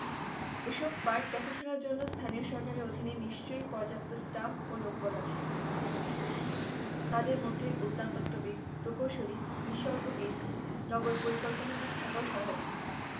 এসব পার্ক দেখাশোনার জন্য স্থানীয় সরকারের অধীনে নিশ্চয়ই পর্যাপ্ত স্টাফ ও লোকবল আছে তাদের মধ্যে উদ্যানতত্ত্ববিদ প্রকৌশলী নিসর্গবিদ নগর পরিকল্পনাবিদ থাকাও স্বাভাবিক